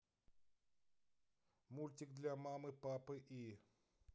мультик для мамы папы и